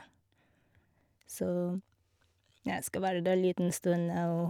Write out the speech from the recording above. Så, ja, skal være der liten stund og...